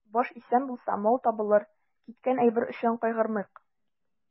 Баш исән булса, мал табылыр, киткән әйбер өчен кайгырмыйк.